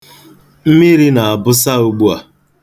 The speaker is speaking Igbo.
Mmiri na-abụsa ugbu a.